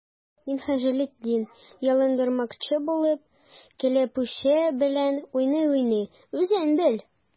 Минһаҗетдин, ялындырмакчы булып, кәләпүше белән уйный-уйный:— Үзең бел!